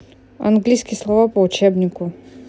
английские слова по учебнику